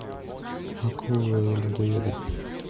акулы людоеды